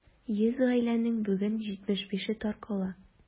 100 гаиләнең бүген 75-е таркала.